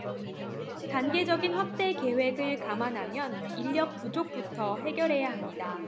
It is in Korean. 단계적인 확대 계획을 감안하면 인력 부족부터 해결해야 합니다